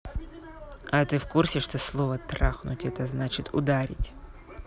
а ты в курсе что слово трахнуть это значит ударить